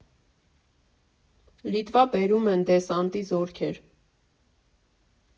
Լիտվա բերում են դեսանտի զորքեր։